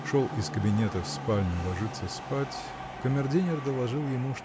шел из кабинета в спальню ложиться спать камердинер доложил ему